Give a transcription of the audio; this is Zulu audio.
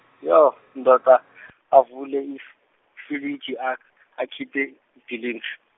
yo ndoda, avule ifiliji ak- akhiphe idilinki.